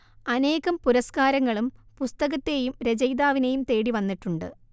അനേകം പുരസ്കരങ്ങളും പുസ്തകത്തെയും രചയിതാവിനെയും തേടിവന്നിട്ടുണ്ട്